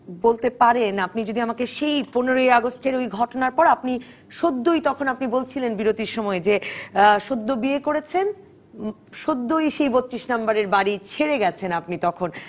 বলতে পারেন আপনি যদি আমাকে সেই ১৫ ই আগস্টের ওই ঘটনার পর আপনি সদ্যই তখন আপনি বলছিলেন বিরতির সময় যে সদ্য বিয়ে করেছেন সদ্যই সেই ৩২ নম্বরের বাড়ি ছেড়ে গেছেন আপনি তখন